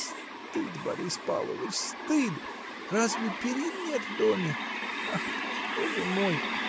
— Стыд, Борис Павлович, стыд: разве перин нет в доме? Ах ты, Боже мой!